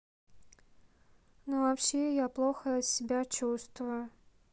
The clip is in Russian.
ну вообще я плохо себя чувствую